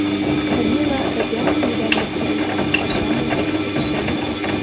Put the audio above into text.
Камилла радиациядән йоклый, ашамый, укшый.